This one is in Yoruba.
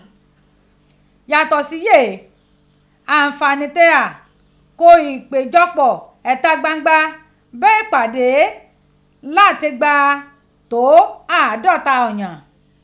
Yatọ si yee, anfaani ti gha ko ipejọpọ ita gbangba bi ipade, lati gba to aadọta eeyan.